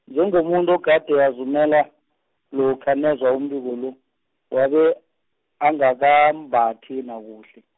njengomuntu ogade azumela, lokha nezwa umbiko lo, wabe, angakambathi nakuhle.